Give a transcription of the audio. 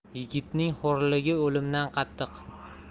yigitning xo'rligi o'limdan qattiq